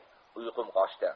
uyqum qochdi